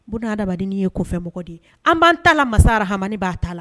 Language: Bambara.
Buna adamadennin ye kunfɛ mɔgɔ de ye, an b'an ta la, masa arahamani b' a ta la.